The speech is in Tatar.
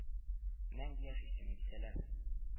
Мәңге яшисең, дисәләр